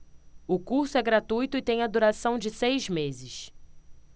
o curso é gratuito e tem a duração de seis meses